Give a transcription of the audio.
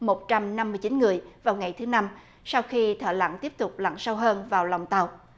một trăm năm mươi chín người vào ngày thứ năm sau khi thợ lặn tiếp tục lặn sâu hơn vào lòng tàu